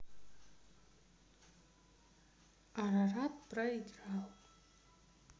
ararat проиграл